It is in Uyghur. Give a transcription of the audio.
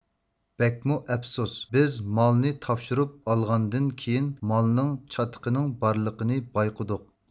بەكمۇ ئەپسۇس بىز مالنى تاپشۇرۇپ ئالغاندىن كېيىن مالنىڭ چاتىقىنىڭ بارلىقىنى بايقىدۇق